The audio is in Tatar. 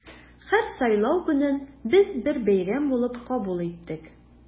Һәр сайлау көнен без бер бәйрәм булып кабул иттек.